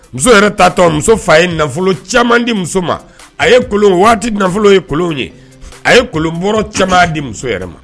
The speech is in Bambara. Muso yɛrɛ' to muso fa ye nafolo caman di muso ma a ye kolon waati nafolo ye kolon ye a ye kolon bɔra caman di muso yɛrɛ ma